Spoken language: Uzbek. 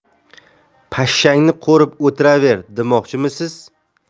pashshangni qo'rib o'tiraver demoqchimisiz